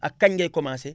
ak kañ ngay commencé